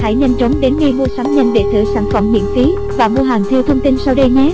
hãy nhanh chóng đến ngay muasamnhanh để thử sản phẩm miễn phí và mua hàng theo thông tin sau đây